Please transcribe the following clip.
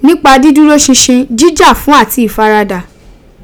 Nipa didurosinsin, jija fun àti ifarada